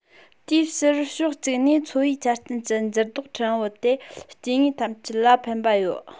དེའི ཕྱིར ཕྱོགས གཅིག ནས འཚོ བའི ཆ རྐྱེན གྱི འགྱུར ལྡོག ཕྲན བུ དེ སྐྱེ དངོས ཐམས ཅད ལ ཕན པ ཡོད